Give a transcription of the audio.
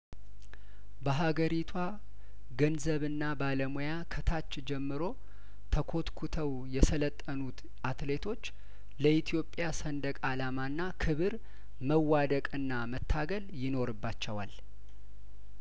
በሀገሪቱዋ ገንዘብና ባለሙያ ከታች ጀምሮ ተኮትኩተው የሰለጠኑት አትሌቶች ለኢትዮጵያ ሰንደቅ አላማና ክብር መዋደቅና መታገል ይኖርባቸዋል